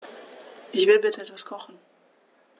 Ich will bitte etwas kochen.